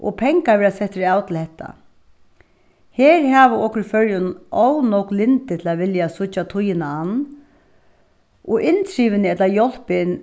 og pengar verða settir av til hetta her hava okur í føroyum ov nógv lyndi til at vilja síggja tíðina ann og inntrivini ella hjálpin